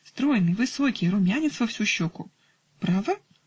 Стройный, высокий, румянец во всю щеку. -- Право?